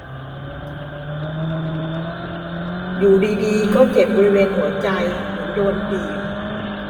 อยู่ดีดีก็เจ็บบริเวณหัวใจเหมือนโดนบีบ